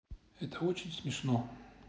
это очень смешно